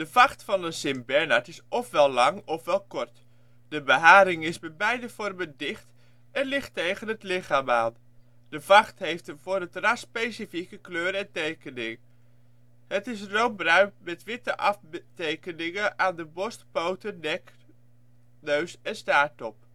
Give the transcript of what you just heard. vacht van de sint-bernard is ofwel lang ofwel kort. De beharing is bij beide vormen dicht en ligt tegen het lichaam aan. De vacht heeft een voor het ras specifieke kleur en tekening. Het is roodbruin met witte aftekeningen aan de borst, poten, neus, nek en staarttop